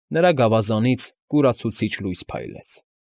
Նրա գավազանից կուրացուցիչ լույս փայլեց։